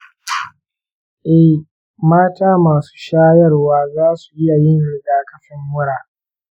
eh, mata masu shayarwa za su iya yin rigakafin mura.